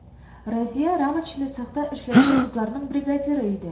Разия рамочный цехта эшләүче кызларның бригадиры иде